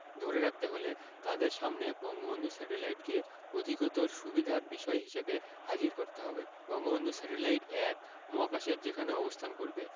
ধরে রাখতে হলে তাদের সামনে বঙ্গবন্ধু স্যাটেলাইটকে অধিকতর সুবিধার বিষয় হিসেবে হাজির করতে হবে বঙ্গবন্ধু স্যাটেলাইট ১ মহাকাশের যেখানে অবস্থান করবে